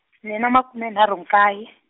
ni na makume nharhu nkaye.